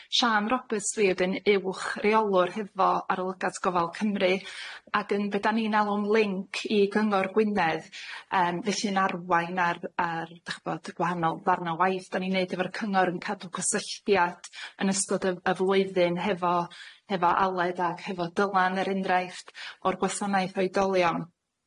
Siân Roberts dwi a wedyn uwch reolwr hefo arolygat gofal Cymru ac yn be da ni'n alw'n linc i gyngor Gwynedd yym felly'n arwain ar ar d'ch'bod gwahanol ddarna' o waith da ni'n neud efo'r cyngor yn cadw cysylltiad yn ystod y y flwyddyn hefo hefo Aled ag hefo Dylan er undraifft o'r gwasanaeth oedolion.